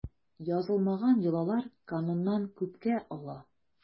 Язылмаган йолалар кануннан күпкә олы.